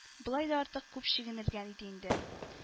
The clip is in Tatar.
Болай да артык күп чигенелгән иде инде